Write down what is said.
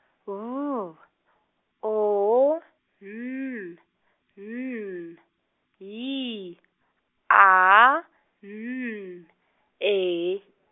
B, O , N, N, Y, A, N, E.